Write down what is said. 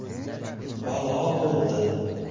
balo bo'ldi